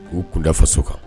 U'u kunda faso kan